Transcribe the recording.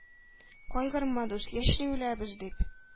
Кайгырма, дус, яшьли үләбез дип,